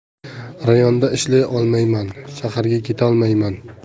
rayonda ishlay olmayman shaharga ketolmayman